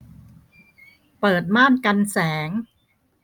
เปิดม่านกันแสง